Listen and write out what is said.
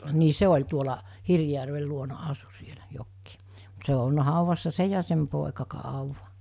niin se oli tuolla Hirvijärven luona asui siellä jokin mutta se on ollut haudassa se ja ja sen poika kauan